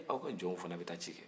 aw ka jɔnw fɛnɛ bɛ taa ci kɛ